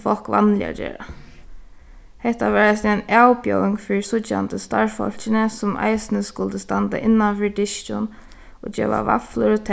enn fólk vanliga gera hetta var eisini ein avbjóðing fyri síggjandi starvsfólkini sum eisini skuldu standa innan fyri diskin og geva vaflur og